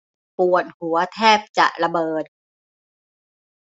ปวดหัวแทบจะระเบิด